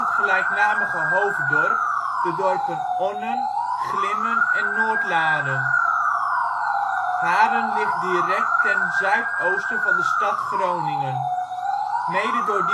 gelijknamige hoofddorp de dorpen Onnen, Glimmen en Noordlaren. Haren ligt direct ten zuid-oosten van de stad Groningen. Mede door